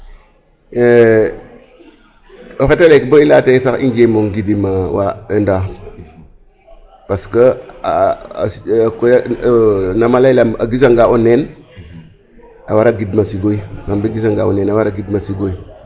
o xet ole bo i laya teen sax i njemo ngidim wa ENDA parce que a nam a layel a gisanga o neen a wara gidma a Sigoy Samba gisanga o neen a wara gidma sigoy